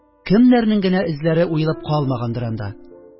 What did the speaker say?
Кемнәрнең генә эзләре уелып калмагандыр анда! ..